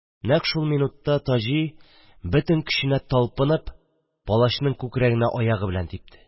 Нәкъ шул минутта Таҗи, бөтен көченә талпынып, палачның күкрәгенә аягы белән типте.